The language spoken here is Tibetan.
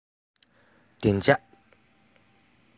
བདེ འཇགས